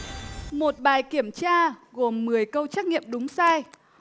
một bài kiểm tra gồm mười câu trắc nghiệm đúng sai